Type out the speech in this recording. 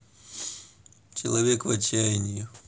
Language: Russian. человек в отчаянии